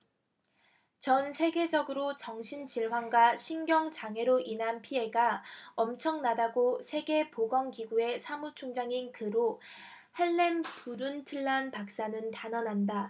전 세계적으로 정신 질환과 신경 장애로 인한 피해가 엄청나다고 세계 보건 기구의 사무총장인 그로 할렘 브룬틀란 박사는 단언한다